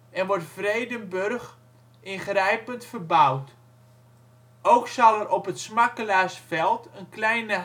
en wordt Vredenburg ingrijpend verbouwd. Ook zal er op het Smakkelaarsveld een kleine haven